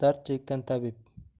dard chekkan tabib